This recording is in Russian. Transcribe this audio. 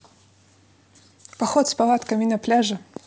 поход с палатками на пляже